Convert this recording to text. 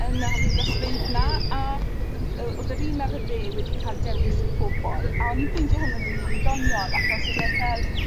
yn y arngosfeudd 'na, yym odd yr un ar y dde wedi ca'l dewis y pobol, a o'n i'n ffeindio hwn yn rili doniol achos odd o ffel